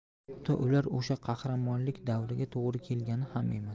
hatto ular o'sha qahramonlik davriga to'g'ri kelgani ham emas